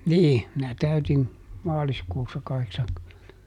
niin minä täytin maaliskuussa kahdeksankymmentä